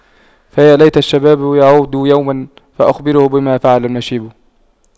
فيا ليت الشباب يعود يوما فأخبره بما فعل المشيب